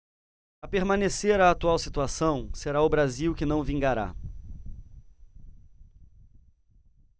a permanecer a atual situação será o brasil que não vingará